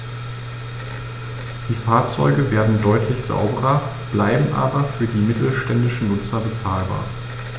Die Fahrzeuge werden deutlich sauberer, bleiben aber für die mittelständischen Nutzer bezahlbar.